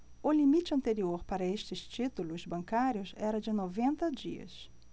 o limite anterior para estes títulos bancários era de noventa dias